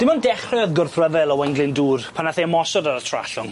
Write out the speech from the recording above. Dim ond dechre o'dd gwrthryfel Owain Glyndŵr pan nath e ymosod ar y Trallwng.